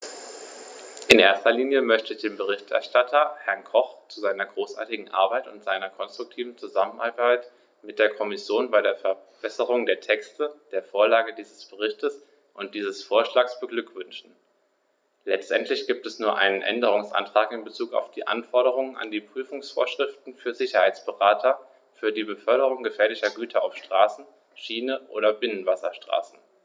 In erster Linie möchte ich den Berichterstatter, Herrn Koch, zu seiner großartigen Arbeit und seiner konstruktiven Zusammenarbeit mit der Kommission bei der Verbesserung der Texte, der Vorlage dieses Berichts und dieses Vorschlags beglückwünschen; letztendlich gibt es nur einen Änderungsantrag in bezug auf die Anforderungen an die Prüfungsvorschriften für Sicherheitsberater für die Beförderung gefährlicher Güter auf Straße, Schiene oder Binnenwasserstraßen.